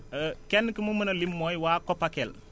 kenn ku ma mën a lim mooy waa COPACEL